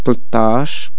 تلطاش